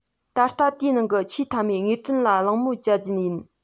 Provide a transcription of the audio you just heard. ད ལྟ དེའི ནང གི ཆེས མཐའ མའི དངོས དོན ལ གླེང མོལ བགྱི རྒྱུ ཡིན